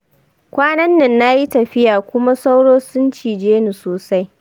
kwanan nan nayi tafiya kuma sauro sun cijeni sosai